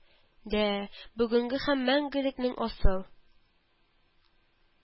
Дә, бүгенге һәм мәңгелекнең асыл